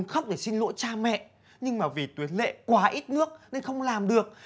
khóc để xin lỗi cha mẹ nhưng mà vì tuyến lệ quá ít nước nên không làm được